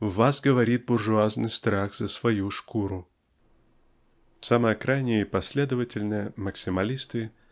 в вас говорит буржуазный страх за свою шкуру. Самые крайние и последовательные максималисты